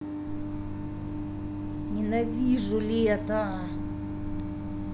ненавижу лето